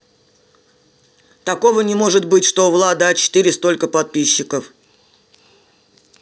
такого не может быть что у влада а четыре столько подписчиков